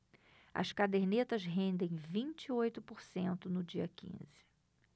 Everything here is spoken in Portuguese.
as cadernetas rendem vinte e oito por cento no dia quinze